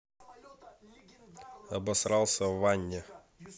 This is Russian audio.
обосрался в ванне